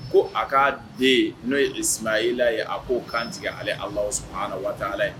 Ko a ka den n'o ye Ismayila ye, a k'o kan tigɛ ale allah subahanahu wa taala .